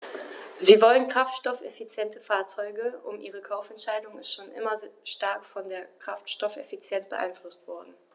Sie wollen kraftstoffeffiziente Fahrzeuge, und ihre Kaufentscheidung ist schon immer stark von der Kraftstoffeffizienz beeinflusst worden.